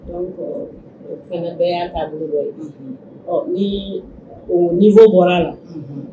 Fana ye ni fɔ bɔra la